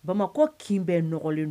Bamakɔ kin bɛ n nɔgɔlen